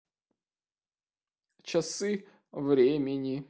часы времени